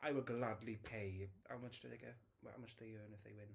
I would gladly pay. How much do they get? How much do they earn, if they win?